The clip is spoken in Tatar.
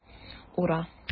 Ура!